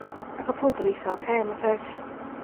ac o' powb yn itha ocê i am y peth.